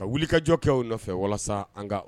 Ka wuli kajɔkɛw nɔfɛ walasa an ka